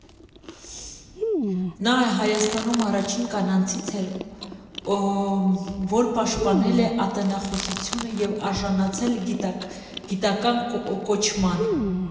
Նա Հայաստանում առաջին կանանցից էր, որ պաշտպանել է ատենախոսություն և արժանացել գիտական կոչման։